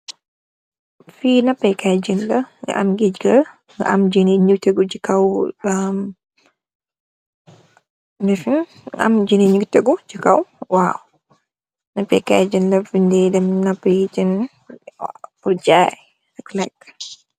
Fii napee KAAY jën la, nga am jën yi ñu ngi tegu ci cow, waaw, napee KAAY i jën la, waaw.